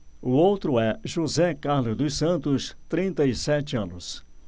o outro é josé carlos dos santos trinta e sete anos